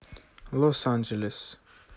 los angeles